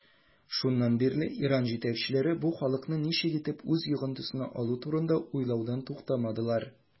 Шуннан бирле Иран җитәкчеләре бу халыкны ничек итеп үз йогынтысына алу турында уйлаудан туктамадылар.